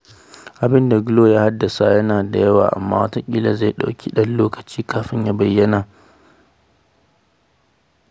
Abin da Glo-1 ya haddasa yana da yawa, amma wataƙila zai ɗauki ɗan lokaci kafin ya bayyana.